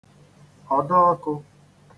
ọ̀doọkụ̄